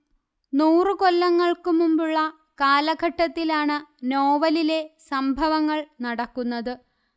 നൂറു കൊല്ലങ്ങൾക്കുമുമ്പുള്ള കാലഘട്ടത്തിലാണ് നോവലിലെ സംഭവങ്ങൾ നടക്കുന്നത്